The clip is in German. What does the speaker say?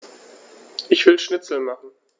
Ich will Schnitzel machen.